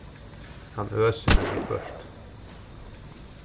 hann øsir meg viðhvørt